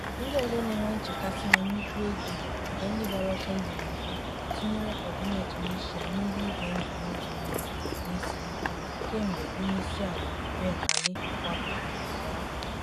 Ndị ọzọ na-enwe nchekasị na nnukwu ego nke ndị gbara ọsọ ndụ na-akwụ tinyere ọdịmma Tunisia n'ihe ize ndụ n'oge mgbanwe n'esighị ike kemgbe Onyeisiala Ben Ali gbapụrụ n'obodo ahụ.